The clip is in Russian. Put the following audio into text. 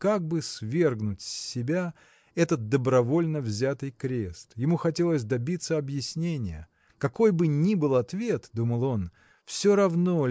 как бы свергнуть с себя этот добровольно взятый крест. Ему хотелось добиться объяснения. Какой бы ни был ответ – думал он – все равно